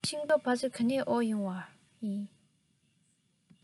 ཤིང ཏོག ཕ ཚོ ག ནས དབོར ཡོང བ རེད